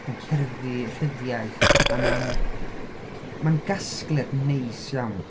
Cerddi rhyddiaith a mae'n... mae'n gasgliad neis iawn.